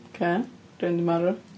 Ocê, rhywun 'di marw.